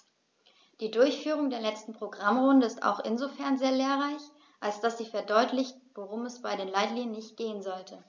Die Durchführung der letzten Programmrunde ist auch insofern sehr lehrreich, als dass sie verdeutlicht, worum es bei den Leitlinien nicht gehen sollte.